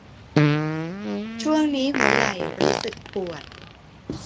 ช่วงนี้หัวไหล่รู้สึกปวด